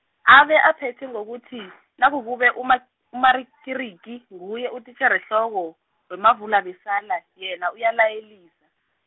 abe aphethe ngokuthi, nakukube uma- uMarikiriki nguye utitjherehloko, weMavukabesala yena uyalayelisa.